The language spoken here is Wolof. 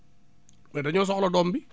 mais dañoo soxla doom bi